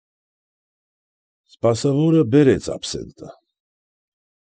Սպասավորը բերեց աբսենտը։